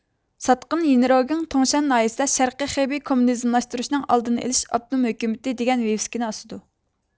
ساتقىن يىنرۇگېڭ تۇڭشيەن ناھىيىسىدە شەرقىي خېبېي كوممۇنىزملاشتۇرۇشنىڭ ئالدىنى ئېلىش ئاپتونوم ھۆكۈمىتى دېگەن ۋىۋىسكىنى ئاسىدۇ